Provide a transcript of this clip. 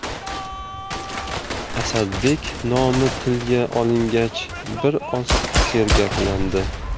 asadbek nomi tilga olingach bir oz sergaklandi